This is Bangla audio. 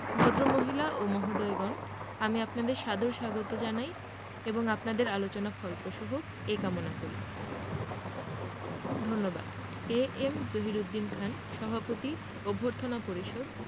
ভদ্রমহিলা ও মহোদয়গণ আমি আপনাদের সাদর স্বাগত জানাই এবং আপনাদের আলোচনা ফলপ্রসূ হোক এ কামনা করি ধন্যবাদ এ এম জহিরুদ্দিন খান সভাপতি অভ্যর্থনা পরিষদ